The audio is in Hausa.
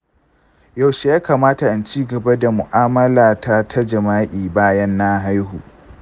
yaushe ya kamata in cigaba da mu'amala ta ta jima'i bayan na haihu?